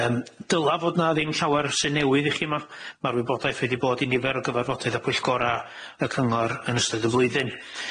Yym dyla fod 'na ddim llawer sy'n newydd i chi 'ma, ma'r wybodaeth wedi bod i nifer o gyfarfodydd a pwyllgora y cyngor yn ystod y flwyddyn.